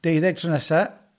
Deuddeg tro nesa.